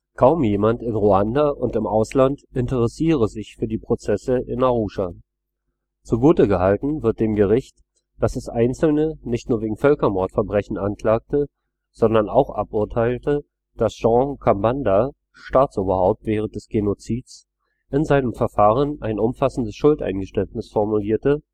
Kaum jemand in Ruanda und im Ausland interessiere sich für die Prozesse in Arusha. Zugutegehalten wird dem Gericht, dass es Einzelne nicht nur wegen Völkermordverbrechen anklagte, sondern auch aburteilte, dass Jean Kambanda, Staatsoberhaupt während des Genozids, in seinem Verfahren ein umfassendes Schuldeingeständnis formulierte